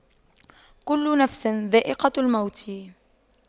كُلُّ نَفسٍ ذَائِقَةُ المَوتِ